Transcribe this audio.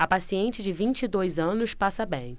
a paciente de vinte e dois anos passa bem